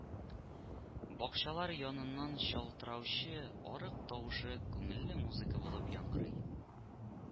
Бакчалар яныннан чылтыраучы арык тавышы күңелле музыка булып яңгырый